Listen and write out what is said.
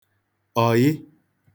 ọ̀yị